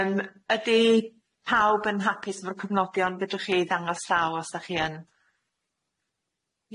Yym ydi pawb yn hapus efo'r cofnodion fedrwch chi ddangos llaw os dach chi yn?